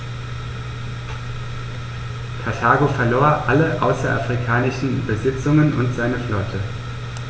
Karthago verlor alle außerafrikanischen Besitzungen und seine Flotte.